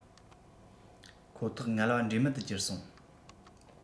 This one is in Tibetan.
ཁོ ཐག ངལ བ འབྲས མེད དུ གྱུར སོང